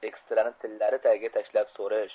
ekstrani tillari tagiga tashlab so'rish